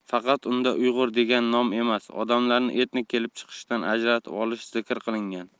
faqat unda uyg'ur degan nom emas odamlarni etnik kelib chiqishidan ajratib olish zikr qilingan